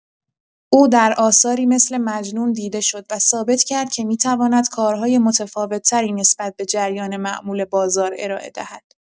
او در آثاری مثل مجنون دیده شد و ثابت کرد که می‌تواند کارهای متفاوت‌تری نسبت به جریان معمول بازار ارائه دهد.